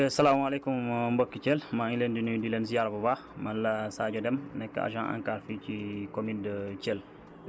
salaamaaleykum mbokki Thiel maa ngi leen di nuyu di leen ziyaar bu baax man la Sadio Deme nekk agent ANCAR fii ci commune de Thiel